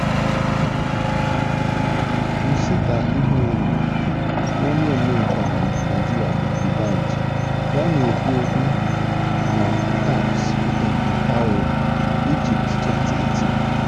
Nsetaihuenyo nke onye omenkà Naịjirịa bụ D'banj ka ọ na-ekwu okwu na CAX Weekend na Cairo, Egypt, 2018.